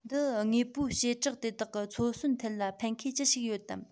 འདི དངོས པོའི བྱེ བྲག དེ དག གི འཚོ གསོན ཐད ལ ཕན ཁེ ཅི ཞིག ཡོད དམ